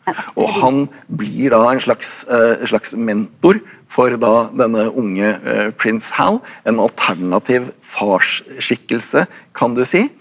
og han blir da en slags en slags mentor for da denne unge prins Hal, en alternativ farsskikkelse kan du si,